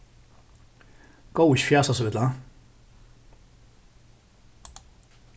góða ikki fjasa so illa